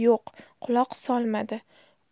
yo'q quloq solmadi